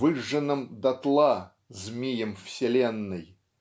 выжженном дотла Змием вселенной